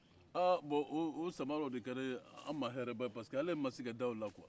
aaa bɔn o samara o de kɛra an ma hɛrɛ ba parce que ale ma se ka da o la quoi